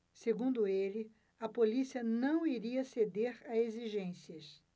segundo ele a polícia não iria ceder a exigências